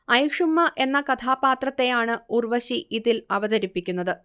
ഐഷുമ്മ എന്ന കഥാപാത്രത്തെയാണ് ഉർവശി ഇതിൽ അവതരിപ്പിക്കുന്നത്